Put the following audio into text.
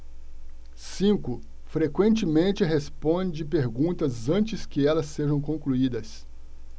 cinco frequentemente responde perguntas antes que elas sejam concluídas